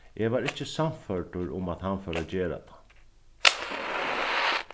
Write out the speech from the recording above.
eg var ikki sannførdur um at hann fór at gera tað